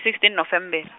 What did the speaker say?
sixteen November.